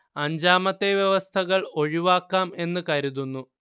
അഞ്ചാമത്തെ വ്യവസ്ഥകൾ ഒഴിവാക്കാം എന്നു കരുതുന്നു